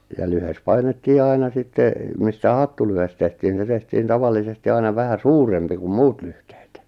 ja lyhde painettiin aina sitten mistä hattulyhde tehtiin niin se tehtiin tavallisesti aina vähän suurempi kuin muut lyhteet